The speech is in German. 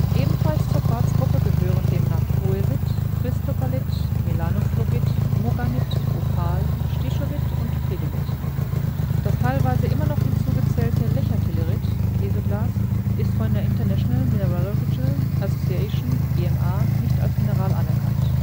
Ebenfalls zur Quarzgruppe gehören demnach Coesit, Cristobalit, Melanophlogit, Moganit, Opal, Stishovit und Tridymit. Das teilweise immer noch hinzugezählte Lechatelierit (Kieselglas) ist von der International Mineralogical Association (IMA) nicht als Mineral anerkannt